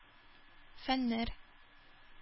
Фәннәр